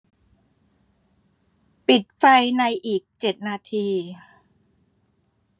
ปิดไฟในอีกเจ็ดนาที